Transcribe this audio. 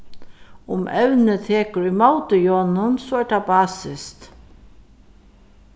um evnið tekur ímóti jonum so er tað basiskt